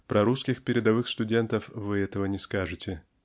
Прорусских передовых студентов вы этого не скажете.